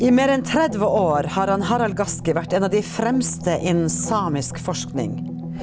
i mer enn 30 år har han Harald Gaski vært en av de fremste innen samisk forskning.